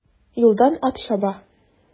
Юлдан ат чаба.